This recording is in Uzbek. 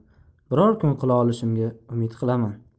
kun qila olishimga umid qilaman